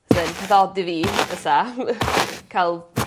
fyse'n peth od i fi fysa ca'l